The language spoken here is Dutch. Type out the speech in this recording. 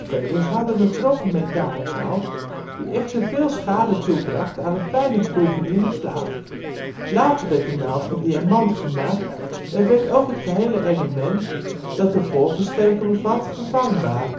hadden een grove metalen naald, die echter veel schade toebracht aan de fijne groeven in de plaat. Later werd de naald van diamant gemaakt, en werd ook het gehele element (dat een voorversterker bevat) vervangbaar